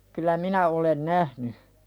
kyllä minä olen nähnyt